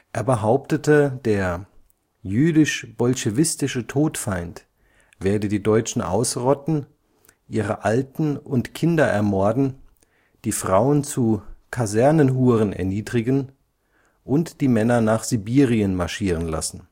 Er behauptete, der „ jüdisch-bolschewistische Todfeind “werde die Deutschen ausrotten, ihre Alten und Kinder ermorden, die Frauen zu „ Kasernenhuren erniedrigen “und die Männer nach Sibirien marschieren lassen